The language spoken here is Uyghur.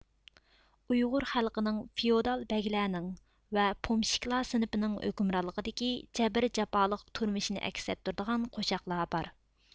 ئۇيغۇر خەلقىنىڭ فېئۇدال بەگلەرنىڭ ۋە پومېشچىكلار سىنىپىنىڭ ھۆكۈمرانلىقىدىكى جەبىر جاپالىق تۇرمۇشىنى ئەكس ئەتتۈرىدىغان قوشاقلار بار